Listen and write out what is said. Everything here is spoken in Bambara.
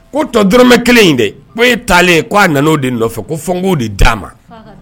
Ko tɔ dɔrɔmɛ kelen in dɛ ko ye taalen k a nan o de nɔfɛ ko fko de d'a ma